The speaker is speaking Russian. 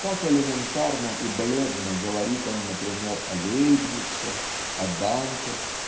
-- как элементарно и бледно говорит он например о Лейбнице о Данте!